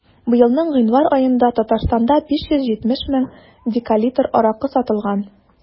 Быелның гыйнвар аенда Татарстанда 570 мең декалитр аракы сатылган.